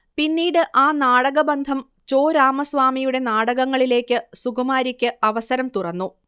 പിന്നീട് ആ നാടകബന്ധം ചോ രാമസ്വാമിയുടെ നാടകങ്ങളിലേക്ക് സുകുമാരിക്ക് അവസരം തുറന്നു